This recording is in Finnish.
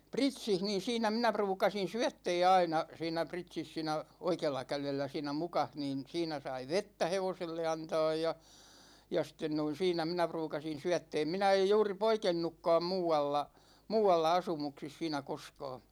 Pritsissä niin siinä minä ruukasin syöttää aina siinä Pritsissä siinä oikealla kädellä siinä mukassa niin siinä sai vettä hevoselle antaa ja ja sitten noin siinä minä ruukasin syöttää minä en juuri poikennutkaan muualla muualla asumuksissa siinä koskaan